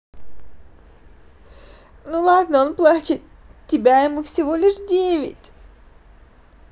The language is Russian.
ну ладно он плачет тебя ему всего лишь девять